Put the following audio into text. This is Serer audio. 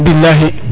Bilahi